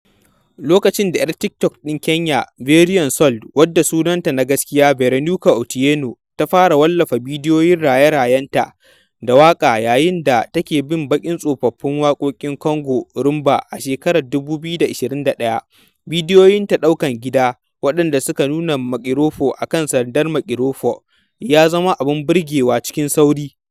Lokacin da 'yar TikTok ɗin Kenya @Veroansalt (wadda sunanta na gaskiya Veronica Otieno) ta fara wallafa bidiyon raye-rayenta da waƙa yayin da ta ke bin bakin tsofin waƙoƙin Congo Rhumba a shekarar 2021, bidiyonta ɗaukan gida waɗanda suka nuna makirufo akan sandar makirufo ya zama abin burgewa cikin sauri.